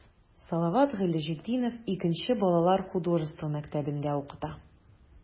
Салават Гыйләҗетдинов 2 нче балалар художество мәктәбендә укыта.